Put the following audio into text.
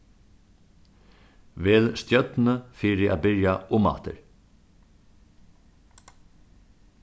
vel stjørnu fyri at byrja umaftur